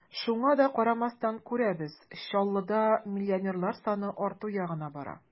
Шуңа да карамастан, күрәбез: Чаллыда миллионерлар саны арту ягына бара.